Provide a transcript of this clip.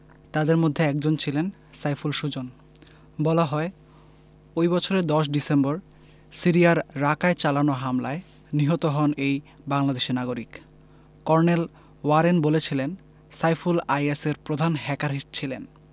তাঁদের মধ্যে একজন ছিলেন সাইফুল সুজন বলা হয় ওই বছরের ১০ ডিসেম্বর সিরিয়ার রাকায় চালানো হামলায় নিহত হন এই বাংলাদেশি নাগরিক কর্নেল ওয়ারেন বলেছিলেন সাইফুল আইএসের প্রধান হ্যাকার ছিলেন